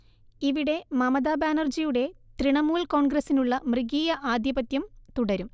ഇവിടെ മമതാ ബാനർജിയുടെ തൃണമൂൽ കോൺഗ്രസിനുള്ള മൃഗീയ ആധിപത്യം തുടരും